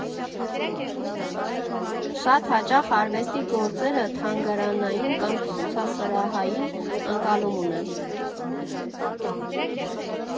Շատ հաճախ արվեստի գործերը թանգարանային կամ ցուցասրահային ընկալում ունեն։